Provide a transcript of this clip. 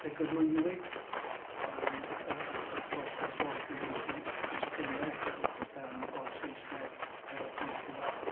Fe gyflwynwyd yym y yr y broses o gyfieithu cwestiynnau yym o'r Saesneg yy i'r Gymraeg.